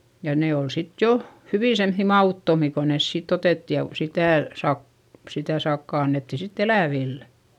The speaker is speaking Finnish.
ja ne oli sitten jo hyvin semmoisia mauttomia kun ne siitä otettiin ja - sitä - sitä sakkaa annettiin sitten eläville